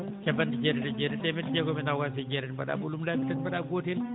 cappanɗe jeetati e jeetati teemedde jeegom e noogaas e jeetati mbaɗaa ɓolum laabi tati mbaɗaa gootel